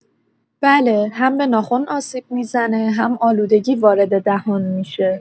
بله، هم به ناخن آسیب می‌زنه هم آلودگی وارد دهان می‌شه.